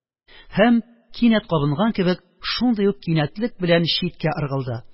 Һәм, кинәт кабынган кебек, шундый ук кинәтлек белән читкә ыргылды